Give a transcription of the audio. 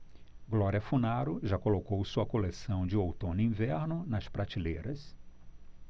glória funaro já colocou sua coleção de outono-inverno nas prateleiras